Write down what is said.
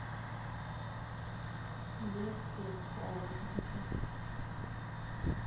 детские праздники